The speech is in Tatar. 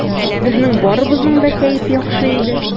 Безнең барыбызның да кәеф яхшы иде.